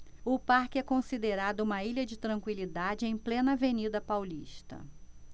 o parque é considerado uma ilha de tranquilidade em plena avenida paulista